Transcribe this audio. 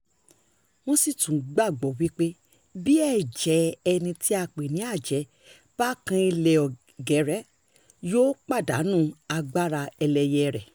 Wọ́n sì tún gbàgbọ́ wípé bí ẹ̀jẹ̀ẹ ẹni tí a pè ní àjẹ́ bá kan ilẹ̀ ọ̀gẹ́rẹ́, yóò pàdánù agbára ẹlẹyẹ rẹ̀.